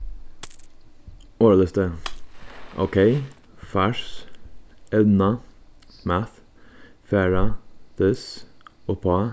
orðalisti ókey fars evna math fara this uppá